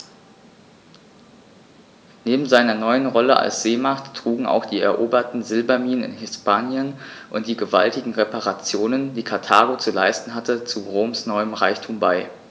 Neben seiner neuen Rolle als Seemacht trugen auch die eroberten Silberminen in Hispanien und die gewaltigen Reparationen, die Karthago zu leisten hatte, zu Roms neuem Reichtum bei.